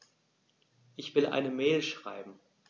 Ich will eine Mail schreiben.